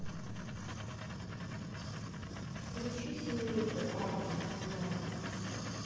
включи семейку адамс на